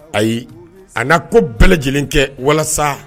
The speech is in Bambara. Ayi a n'a ko bɛɛ lajɛlen kɛ walasa